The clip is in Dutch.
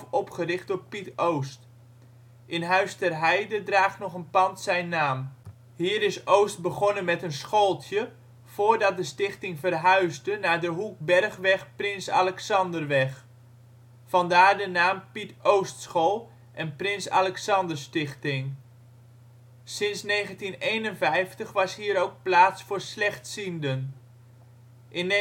opgericht door Piet Oost. In Huis ter Heide draagt nog een pand zijn naam. Hier is Oost begonnen met een schooltje voordat de stichting verhuisde naar de hoek Bergweg/Prins Alexander Weg, vandaar de namen Piet Oost School en Prins Alexander Stichting. Sinds 1951 was hier ook plaats voor slechtzienden. In